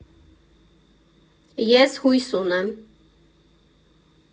Ես հույս ունեմ…